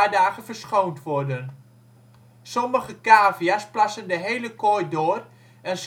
dagen verschoond worden. Sommige cavia 's plassen de hele kooi door en